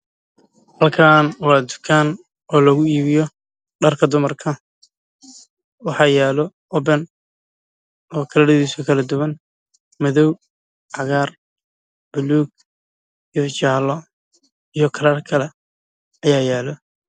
Halkan waa dukan lagu iibiyo dharka dumar ka